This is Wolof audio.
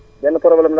waaw